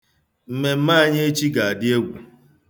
Mmemme anyị echi ga-adị egwu.